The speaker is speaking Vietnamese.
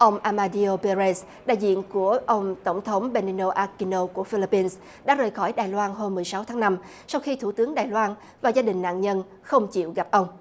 ông a ma đi ô pe rây đại diện của ông tổng thống be ni nô a ki nô của phi líp pin đã rời khỏi đài loan hôm mười sáu tháng năm sau khi thủ tướng đài loan và gia đình nạn nhân không chịu gặp ông